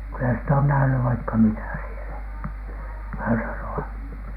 kyllä sitä on nähnyt vaikka mitä siellä -